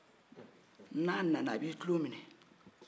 n'a nana a bi tulo minɛ